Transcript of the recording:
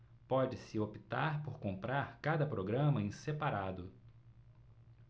pode-se optar por comprar cada programa em separado